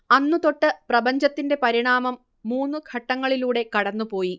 അന്നു തൊട്ട് പ്രപഞ്ചത്തിന്റെ പരിണാമം മൂന്നു ഘട്ടങ്ങളിലൂടെ കടന്നുപോയി